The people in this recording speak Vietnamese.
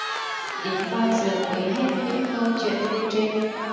đến bao giờ mới hết những câu chuyện như trên